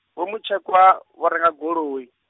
Vho Mutshekwa, vho renga goloi.